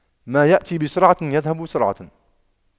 ما يأتي بسرعة يذهب بسرعة